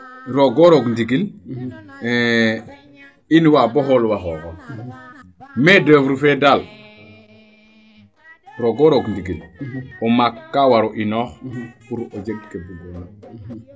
roogo roog ndigil inwa bo xoolwa xoxof main d' oeuvre fee daal roogo roog ndigil o maak kaa waro inoox pour o jeg kee bugoona